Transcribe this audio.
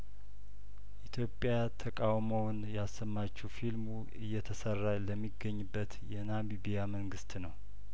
ኢትዮጵያ ተቃውሞውን ያሰማችው ፊልሙ እየተሰራ ለሚገኝበት የናሚቢያ መንግስት ነው